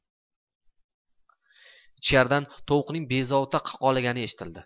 ichkaridan tovuqning bezovta qa qolagani eshitildi